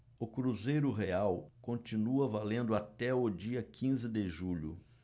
o cruzeiro real continua valendo até o dia quinze de julho